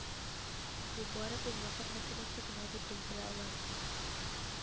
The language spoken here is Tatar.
Бу бары тик вакыт мәсьәләсе генә, дип белдерә алар